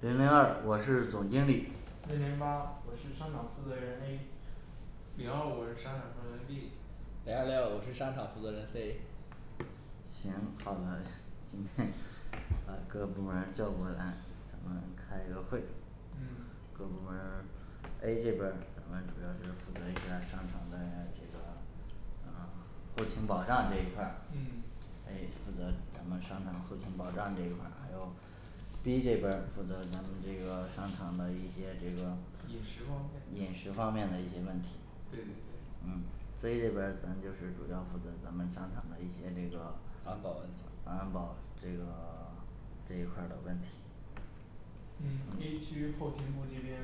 零零二我是总经理零零八我是商场负责人A 零二五我是商场负责人B 零二六我是商场负责人C 行好的今天 把各部门儿叫过来我们开个会嗯各部门儿A这边儿主要就是负责一下商场的这个呃后勤保障这一块儿嗯 A负责整个商场后勤保障这一块儿还有 B这边儿负责咱们这个商场的一些这个饮食方面饮食方面的一些问题对对对安保问题安保这个 这一块儿的问题嗯A区后勤部这边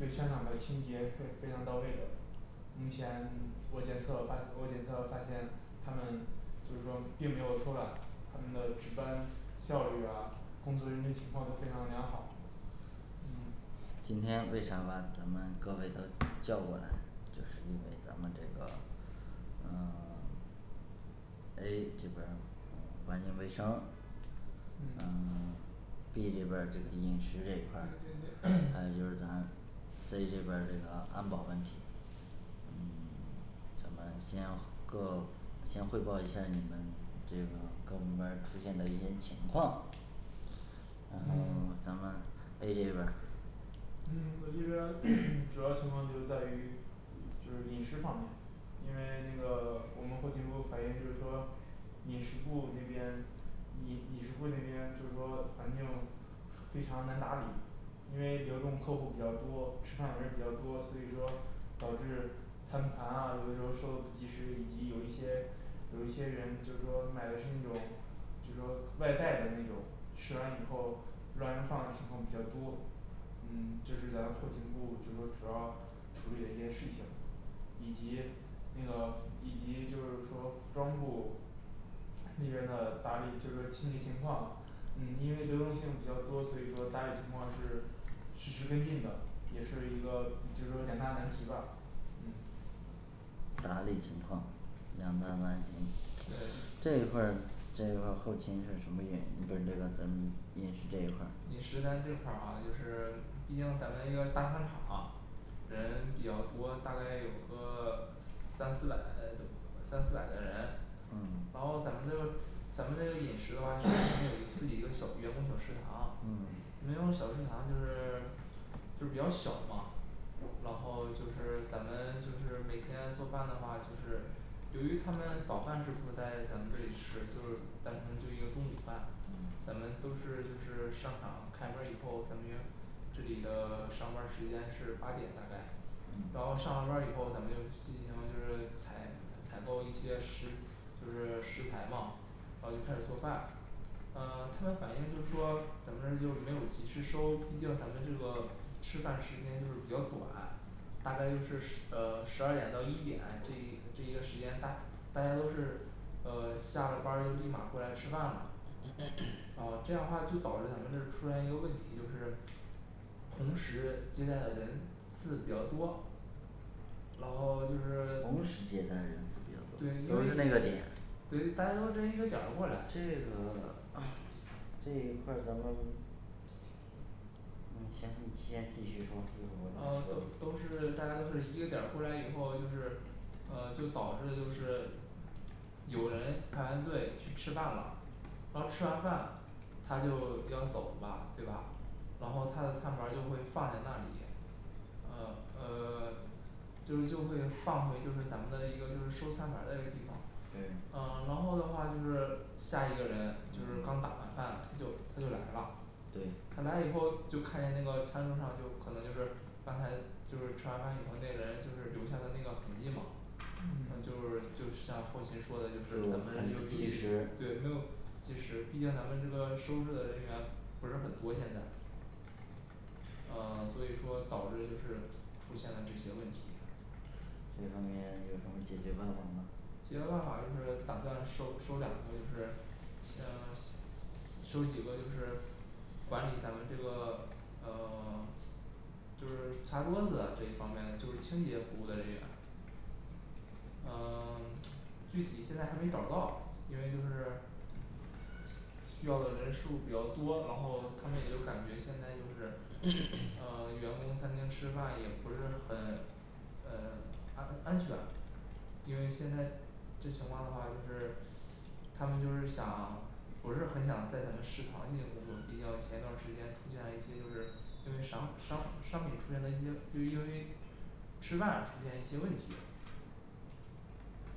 对商场的清洁非非常到位的目前我检测发我检测发现他们就是说并没有偷懒他们的值班效率啊工作认真情况都非常良好嗯今天为啥把咱们各位都叫过来这是因为咱们这个嗯 嗯嗯 B这边儿这个饮食这一对对块儿对 还有就是咱 C这边儿这个安保问题嗯 咱们先各先汇报一下你们这个各部门儿出现的一些情况然后嗯 咱们A这边儿嗯我这边儿 主要情况就是在于就是饮食方面因为那个我们后勤部反应就是说饮食部那边饮饮食部那边就是说环境非常难打理因为流动客户比较多吃饭的人比较多所以说导致餐盘啊有的时候收的不及时以及有一些有一些人就是说买的是那种就是说外带的那种吃完以后乱扔放的情况比较多嗯这是咱后勤部就说主要处理的一件事情以及那个以及就是说服装部那边的打理就是说清洁情况嗯因为流动性比较多所以说打理情况是实时跟进的也是一个就是说两大难题吧嗯打理情况两大难题对这一块儿这一块儿后勤是什么原因就是这个咱们饮食这一块儿饮食咱这块儿啊就是毕竟咱们一个大商场人比较多大概有个三四百三四百的人嗯然后咱们这个咱们这个饮食的话咱们有自己一个小员工小食堂嗯没用小食堂就是 就是比较小嘛然后就是咱们就是每天做饭的话就是由于他们早饭是不在咱们这里吃就是单纯的就一个中午饭嗯咱们都是就是商场开门儿以后咱们员这里的上班儿时间是八点大概然后上了班儿以后咱们就进行就是采采购一些食就是食材嘛然后就开始做饭嗯他们反映就是说咱们这就没有及时收毕竟咱们这个吃饭时间就是比较短大概就是十 呃十二点到一点这一这一个时间大大家都是呃下了班儿就立马过来吃饭了呃这样话就导致咱们这出来一个问题就是同时接待的人次比较多然后就是同时接待人次比较多对都因是那为个点对大家都这一个点儿过这个来这一块儿咱们你先你先继续说啊这个都我都是大家都是一个点儿过来以后就是呃就导致就是有人排完队去吃饭了然后吃完饭他就要走了吧对吧然后他的餐盘儿就会放在那里呃呃 就是就会放回就是咱们的一个就是收餐盘儿的一个地方对呃然后的话就是下一个人就是刚嗯打完饭他就他就来了对他来以后就看见那个餐桌儿上就可能就是刚才就是吃完饭以后那个人就是留下的那个痕迹嘛呃就是就是像后勤说的就是咱们这又又及时对没有及时毕竟咱们这个收拾的人员不是很多现在呃 所以说导致就是出现的这些问题这方面有什么解决办法吗解决办法就是打算收收两个就是像 收几个就是管理咱们这个呃 就是擦桌子的这一方面就是清洁服务的人员呃 具体现在还没找到因为就是需要的人数比较多然后他们也就感觉现在就是呃员工餐厅吃饭也不是很嗯安安全因为现在这情况的话就是他们就是想不是很想在咱们食堂进行工作毕竟前一段儿时间出现了一些就是因为商商商品出现的一些就因为吃饭出现一些问题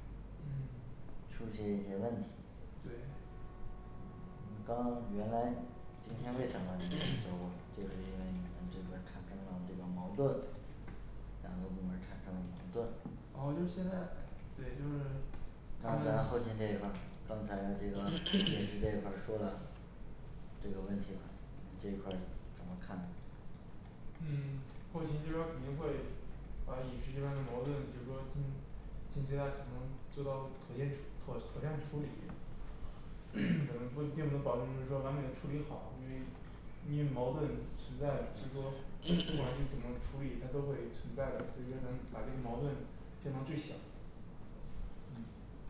嗯出现一些问题对你刚原来今天为什么就是因为你们这边产生了这个矛盾两个部门儿产生了矛盾哦就是现在对就是他们嗯后勤这边儿肯定会把饮食这边的矛盾就是说嗯尽最大可能做到妥协处妥妥善处理 咱们不并不能保证就是说完美的处理好因为因为矛盾存在就是说 不管是怎么处理它都会存在的所以说咱们把这个矛盾降到最小嗯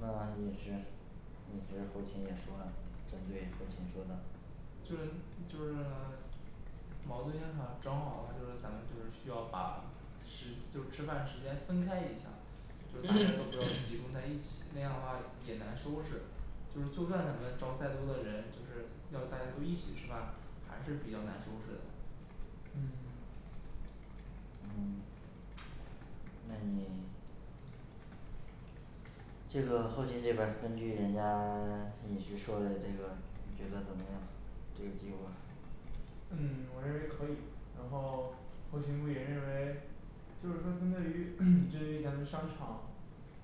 那饮食饮食后勤也说啦针对后勤说的这就是 矛盾要想整好的话就是咱们就是需要把食 就是吃饭时间分开一下就大家都不要集中在一起那样的话也难收拾就是就算咱们招再多的人就是要大家都一起吃饭还是比较难收拾的嗯嗯那你这个后勤这边儿根据人家 饮食说的这个觉得怎么样这个计划嗯我认为可以然后后勤部也认为就是说针对于 针对于咱们商场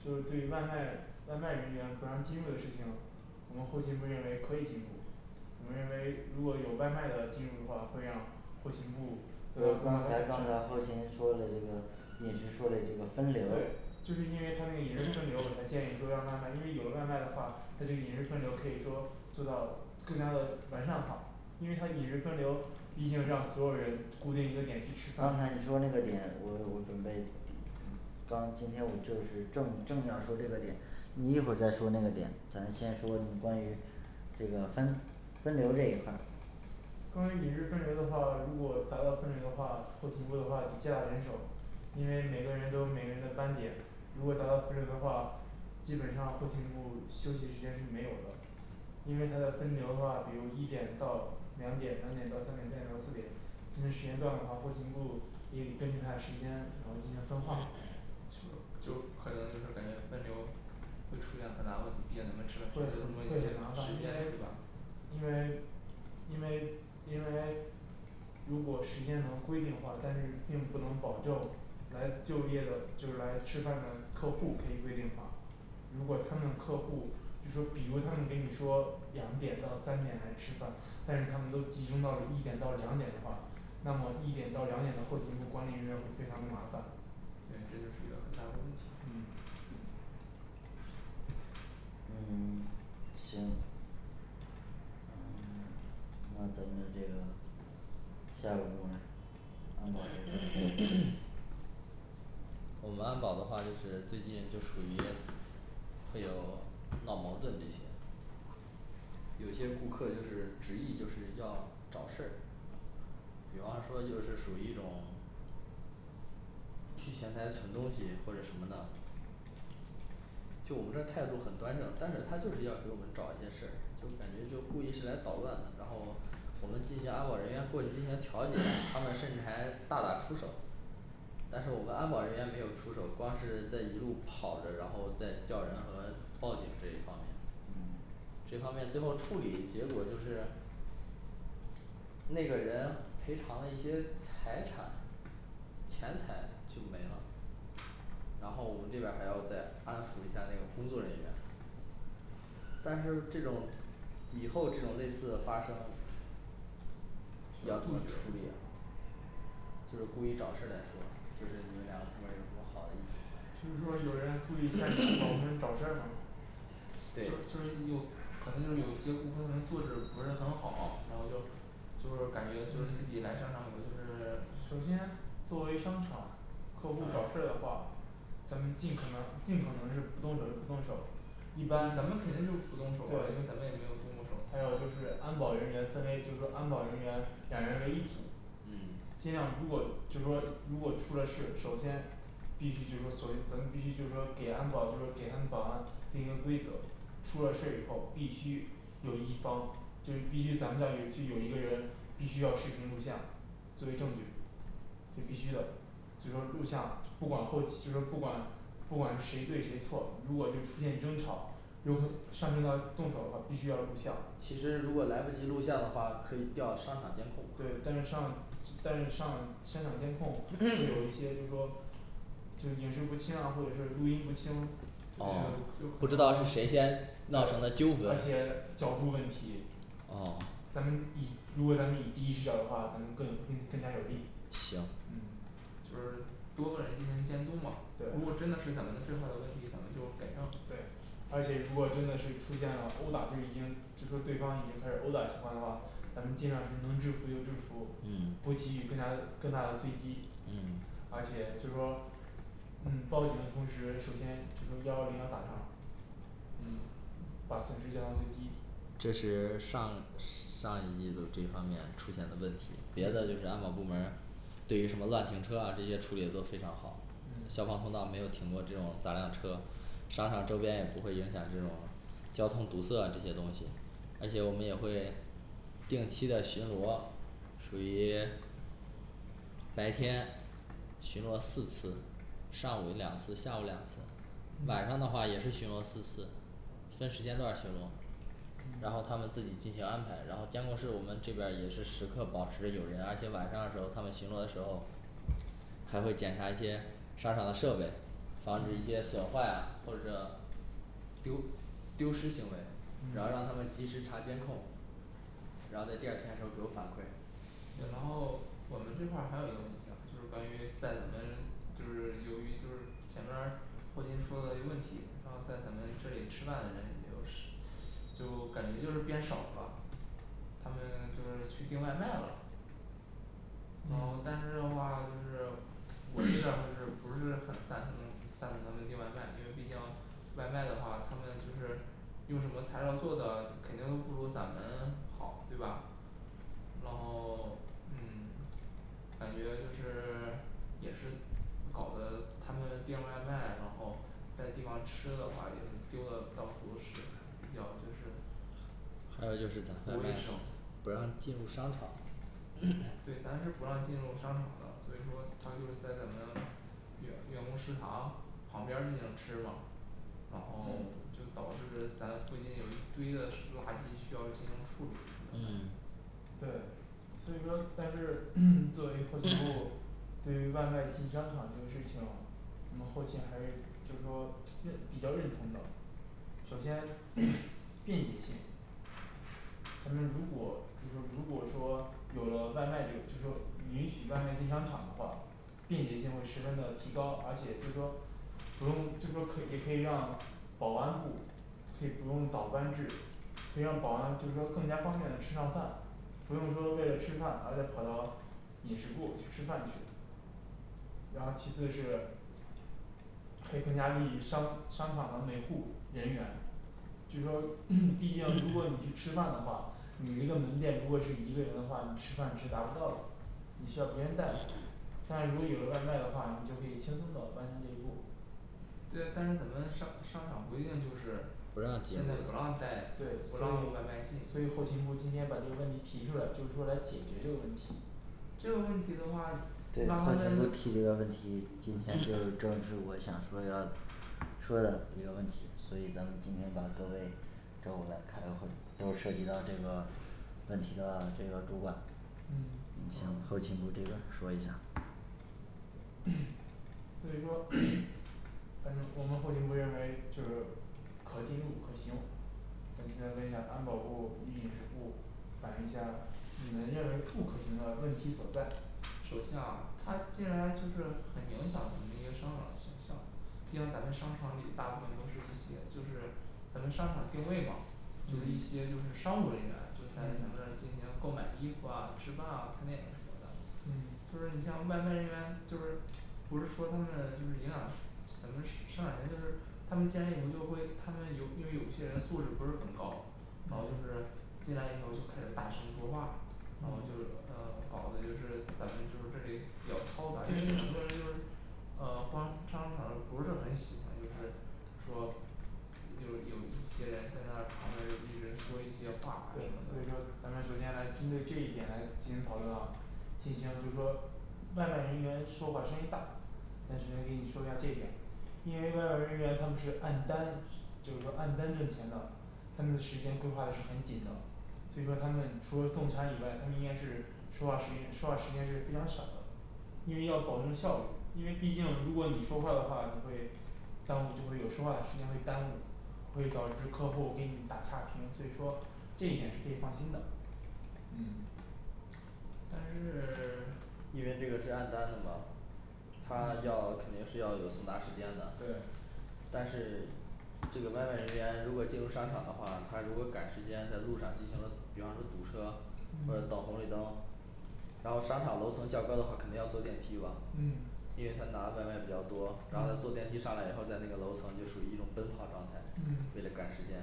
就是对外卖外卖人员不让进入的事情我们后勤部认为可以进入我们认为如果有外卖的进入的话会让后勤部刚才刚才后勤说的这个饮食说的这个分流儿对就是因为它那个饮食分流儿我才建议说让外卖因为有了外卖的话它这个饮食分流儿可以说做到更加的完善化因为他饮食分流毕竟让所有人固定一个点去吃饭刚才你说那个点我我准备刚今天我就是正正要说这个点你一会儿再说那个点咱先说关于这个分分流这一块儿关于饮食分流的话如果达到分流的话后勤部的话得加大人手因为每个人都有每个人的班点如果达到分流的话基本上后勤部休息时间是没有的因为他的分流的话比如一点到两点两点到三点三点到四点分时间段的话后勤部也得根据他的时间然后进行分化因为因为因为因为如果时间能规定话但是并不能保证来就业的就是来吃饭的客户可以规定化如果他们客户就说比如他们跟你说两点到三点来吃饭但是他们都集中到了一点到两点的话那么一点到两点的后勤部管理人员会非常的麻烦对这就是一个很大的问题嗯嗯 行我们安保的话就是最近就属于会有闹矛盾这些有些顾客就是执意就是要找事儿比方说就是属于一种去前台存东西或者什么的就我们这儿态度很端正但是他就是要给我们找一些事儿就感觉就故意是来捣乱的然后我们进行安保人员过去进行调解他们甚至还大打出手但是我们安保人员没有出手光是在一路跑着然后在叫人和报警这一方面这方面最后处理结果就是那个人赔偿了一些财产钱财就没了然后我们这边儿还要再安抚一下那个工作人员但是这种以后这种类似的发生就是故意找事儿来说就是你们两个部门儿有什么好的意见所以说有人故意在你们安保部门找事儿吗就对就是有可能就是有一些顾客他们素质不是很好然后就就是感觉就是自嗯己来商场以后就是 首先作为商场客户找事儿的话咱们尽可能尽可能是不动手就不动手一般对还有就是安保人员分为就是说安保人员两人为一组嗯尽量如果就是说如果出了事首先必须就是说做一个咱们必须就是说给安保就是给他们保安定一个规则出了事儿以后必须有一方就是必须咱们那里就是有一个人必须要视频录像作为证据就必须的就是说录像不管后期就是不管不管是谁对谁错如果就出现争吵又会上升到动手的话必须要录像其实如果来不及录像的话可以调商场监控对但是上但是上商场监控会有一些就是说就影视不清啊或者是录音不清啊不就知就可道能是谁先对造成的纠纷而且角度问题哦咱们以如果咱们以第一视角的话咱们更有更更加有力行嗯就是多个人进行监督嘛如对果真的是咱们的这块的问题咱们就改正对而且如果真的是出现了殴打就已经就说对方已经开始殴打情况的话咱们尽量是能制服就制服嗯不给予更加更大的追击嗯而且就是说嗯报警的同时首先就说幺幺零要打上嗯把损失降到最低这是上上一季度这方面出现的问题别的就嗯是安保部门儿对于什么乱停车啊这些处理都非常好消嗯防通道没有停过这种杂辆车商场周边也不会影响这种交通堵塞这些东西而且我们也会定期的巡逻属于白天巡逻四次上午两次下午两次晚上嗯的话也是巡逻四次分时间段儿巡逻然嗯后他们自己进行安排然后监控室我们这边儿也是时刻保持有人而且晚上的时候他们巡逻的时候还会检查一些商场的设备防止一嗯些损坏啊或者丢丢失行为然后让嗯他们及时查监控然后在第二天时候给我反馈对然后我们这块儿还有一个问题啊就是关于在咱们就是由于就是前面儿后勤说了一个问题然后在咱们这里吃饭的人也都是就感觉就是变少了他们就是去订外卖了嗯嗯但是的话就是我这边儿还是不是很赞同赞同咱们订外卖因为毕竟外卖的话他们就是用什么材料做的肯定不如咱们好对吧然后 嗯 感觉就是 也是搞的他们订外卖然后在地方吃的话也是丢的到处都是比较就是还有就是咱不外卫卖生不让进入商场 对咱是不让进入商场了所以说他就是在咱们员员工食堂旁边儿进行吃嘛然后嗯 就导致咱附近有一堆的垃圾需要进行处理等等嗯首先 便捷性咱们如果就说如果说有了外卖这个就是说允许外卖进商场的话便捷性会十分的提高而且就是说不用就是说可也可以让保安部可以不用倒班制可以让保安就是说更加方便的吃上饭不用说为了吃饭而再跑到饮食部去吃饭去了然后其次是可以更加利于商商场的维护人员就是说 毕竟如果你去吃饭的话你一个门店如果是一个人的话你吃饭是达不到的你需要别人带但如果有了外卖的话你就可以轻松的完成这一步对但是咱们商商场规定就是不让进现在不让带不对所让外卖进以所以后勤部今天把这个问题提出来就是说来解决这个问题这个问题的话对那他后勤部们提这个问题今天正是我想说要说的一个问题所以咱们嗯今天把各位召过来开个会都是涉及到这个问题的这个主管嗯后勤部这边儿说一下 所以说 反正我们后勤部认为就是可进入可行那现在问一下安保部与饮食部反映一下你们认为不可行的问题所在首先啊他进来就是很影响咱们一个商场的形象嗯嗯嗯就是你像外卖人员就是不是说他们就是影响咱们商场形象就是他们进来以后就会他们有因为有些人素质不是很高然后就嗯是进来以后就开始大声说话然后就嗯是呃 搞的就是咱们就是这里比较嘈杂因为很多人就是呃 逛商场不是很喜欢就是说有有一些人在她旁边儿就一直说一些话什对所么以的说咱们首先来针对这一点来进行讨论啊进行就是说外卖人员说话声音大暂时先给你说一下这点因为外卖人员他们是按单就是说按单挣钱的他们的时间规划的是很紧的所以说他们除了送餐以外他们应该是说话时间说话时间是非常少的因为要保证效率因为毕竟如果你说话的话你会耽误就会有说话的时间会耽误会导致客户给你打差评所以说这一点是可以放心的嗯但是 因为这个是按单的嘛他嗯要肯定是要有送达时间的对但是这个外卖人员如果进入商场的话他如果赶时间在路上进行了比方说堵车或嗯者等红绿灯然后商场楼层较高的话肯定要坐电梯吧嗯因为他拿的外卖比较多然后他嗯坐电梯上来以后在那个楼层就属于一种奔跑状态嗯为了赶时间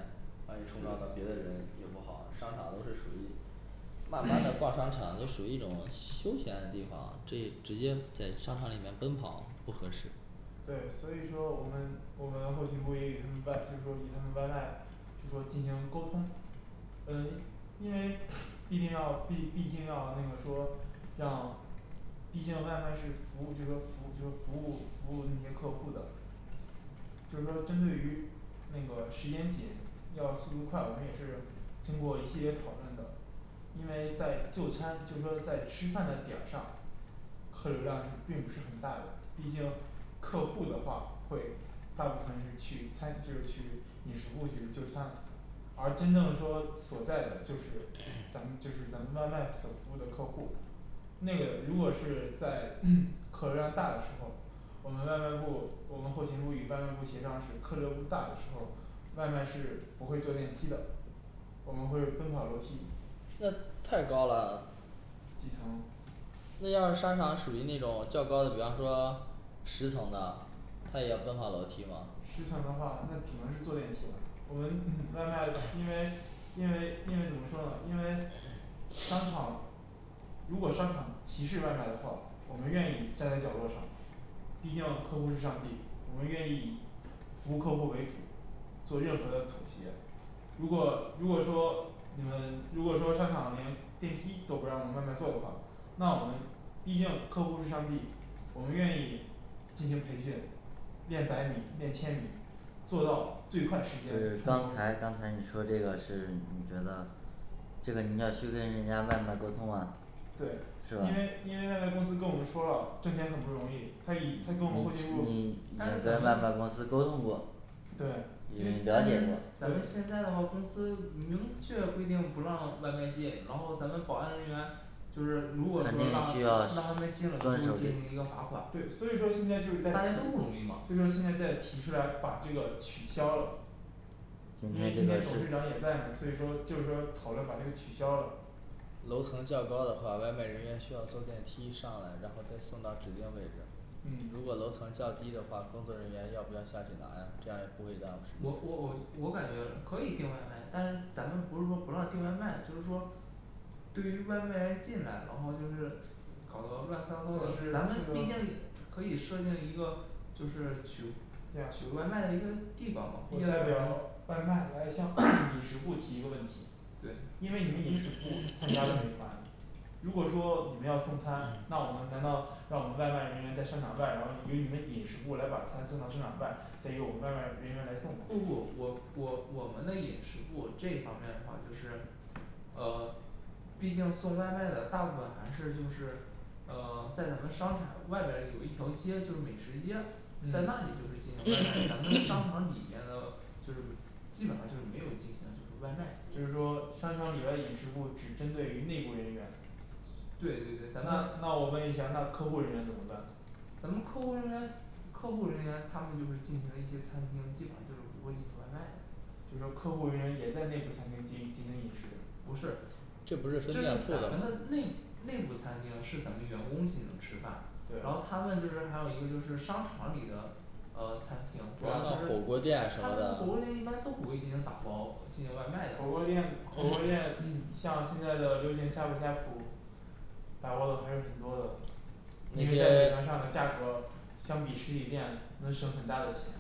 而且冲撞到对别的人也不好商场都是属于慢慢的逛商场就属于一种休闲的地方这直接在商场里面奔跑不合适对所以说我们我们后勤部也与他们外就是说与他们外卖就说进行沟通呃因为毕竟要毕毕竟要那个说让毕竟外卖是服务就是说服务就是说服务服务那些客户的就是说针对于那个时间紧要速度快我们也是经过一些讨论的因为在就餐就说在吃饭的点儿上客流量是并不是很大的毕竟客户的话会大部分是去餐就是去饮食部去就餐而真正说所在的就是咱们就是咱们外卖所服务的客户那个如果是在 客流量大的时候我们外卖部我们后勤部与外卖部协商是客流大的时候外卖是不会坐电梯的我们会奔跑楼梯那太高了几层那要是商场属于那种较高的比方说十层呢他也要奔跑楼梯吗十层的话那只能是坐电梯了我们 外卖因为因为因为怎么说呢因为商场如果商场歧视外卖的话我们愿意站在角落上毕竟客户是上帝我们愿意以服务客户为主做任何的妥协如果如果说你们如果说商场连电梯都不让我们外卖坐的话那我们毕竟客户是上帝我们愿意进行培训练百米练千米做到最快时间刚才刚才你说这个是你觉得这个你要去跟人家外卖沟通啊对是吧因为因为外卖公司跟我们说了挣钱很不容易他以他跟我们后勤部但是咱跟外卖们公司沟通过对你了解过咱们对现在的话公司明确规定不让外卖进然后咱们保安人员就是如果说那就需让要让他们进的话会进行一个罚款对所以说现在就是在大家都不容提易嘛所以说现在在提出来把这个取消了因为今天董事长也在嘛所以说就是说讨论把这个取消了楼层较高的话外卖人员需要坐电梯上来然后再送到指定位置如嗯果楼层较低的话工作人员要不要下去拿呀这样也不会耽我误时我间我我感觉可以订外卖但是咱们不是说不让订外卖就是说对于外卖员进来然后就是搞的乱糟糟的咱们毕竟可以设定一个就是取对呀取个外卖的一个地方嘛我代表外卖来向 饮食部提一个问题对因为你们饮食部参加了美团如果说你们要送餐那我们难道让我们外卖人员在商场外然后由你们饮食部来把餐送到商场外再由我们外卖人员来送吗不不我我我们的饮食部这方面的话就是呃毕竟送外卖的大部分还是就是呃 在咱们商场外边儿有一条街就是美食街在那嗯里就是进行外卖咱们商场里面的就是基本上就是没有进行就是外卖服就是务说商场里的饮食部只针对于内部人员对对对咱们那那我问一下那客户人员怎么办咱们客户人员客户人员他们就是进行一些餐厅基本上就是不会进行外卖的就是说客户人员也在内部餐厅进行进行饮食不是这不是这分是咱店铺的们吗的内内部餐厅是咱们员工进行吃饭然后对他们就是还有一个就是商场里的呃餐厅主要就是他们火锅店一般都不会进行打包进行外卖的火锅店火锅店像现在的流行呷哺呷哺打包的还是很多的因为在美团上的价格相比实体店能省很大的钱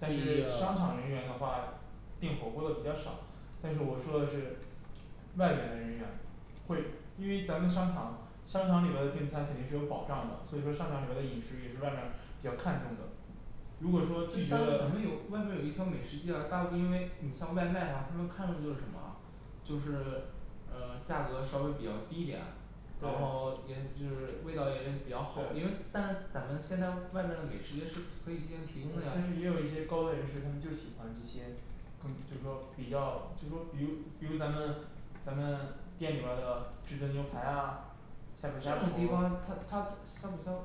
但是商场人员的话订火锅的比较少，但是我说的是外面的人员会因为咱们商场商场里面的订餐肯定是有保障的所以说商场里面的饮食也是外面儿比较看重的如果说这几个但是咱们有外面有一条美食街啊大部分因为你像外卖嘛他们看重就是什么啊就是嗯 价格稍微比较低一点然对后也就是味道也比较好，因为对但是咱们现在外面儿的美食街是可以进行提供的呀但是也有一些高端人士他们就喜欢这些更就是说比较就是说比如比如咱们咱们店里面儿的至尊牛排啊这呷种地哺呷方哺它它呷哺呷哺